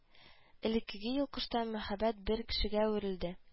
Элеккеге йолкыштан мәһабәт бер кешегә әверелде